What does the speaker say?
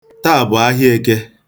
Taa bụ ahịa Eke.